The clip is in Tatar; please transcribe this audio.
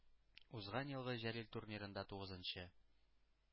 Узган елгы җәлил турнирында – тугызынчы,